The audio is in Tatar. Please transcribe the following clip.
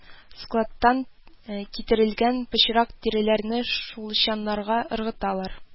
Складтан китерелгән пычрак тиреләрне шул чаннарга ыргыталар